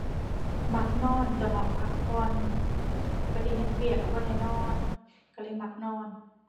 มักนอนตั่วเนาะ พักผ่อน ปกติเฮ็ดเวียกก็บ่ได้นอน ก็เลยมักนอน